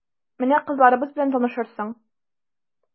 Менә кызларыбыз белән танышырсың...